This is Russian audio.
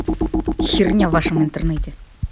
херня в вашем интернете